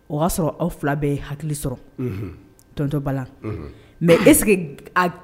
O y'a sɔrɔ aw fila bɛ hakili sɔrɔ tontɔtobalan mɛ